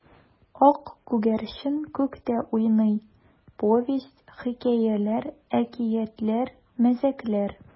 Ак күгәрчен күктә уйный: повесть, хикәяләр, әкиятләр, мәзәкләр.